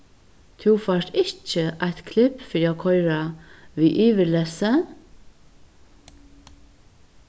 tú fært ikki eitt klipp fyri at koyra við yvirlessi